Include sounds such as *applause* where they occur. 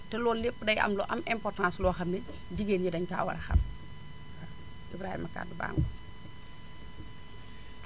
te loolu lépp day am lu am importance loo xam ne jigéen ñi dañu kaa war a xam Ibrahima kàddu *noise* baa ngoog